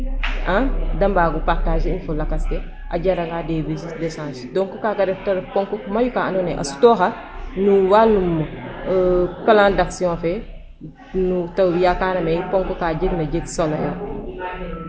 A ref poŋk mayu ka andoona yee a sutooxa no walum plan d' action fe to yakarame poŋk ka jegna jeg solo yo .